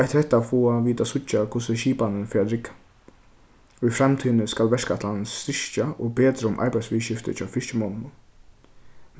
og eftir hetta fáa vit at síggja hvussu skipanin fer at rigga í framtíðini skal verkætlanin styrkja og betra um arbeiðsviðurskifti hjá fiskimonnunum